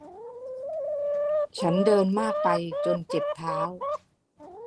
ฉันเดินมากไปจนเจ็บเท้า